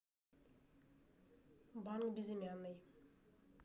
банк безымянный